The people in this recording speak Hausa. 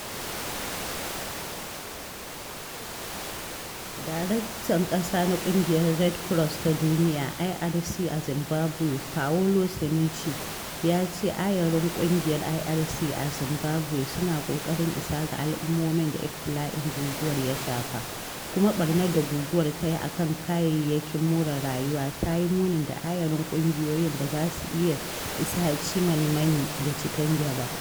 Daraktan ƙasa na ƙungiyar Red Cross ta Duniya (IRC) a Zimbabwe, Paolo Cernuschi, ya ce ayarin ƙungiyoyin IRC a Zimbabwe suna ƙoƙarin isa ga al’ummomin da ibtila'in guguwar ya shafa, kuma ɓarnar da guguwar tayi akan kayayyakin more rayuwa ta yi munin da ayarin ƙungiyoyin ba za su iya isa Chimanimani ko Chipinge ba.